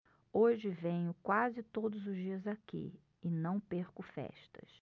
hoje venho quase todos os dias aqui e não perco festas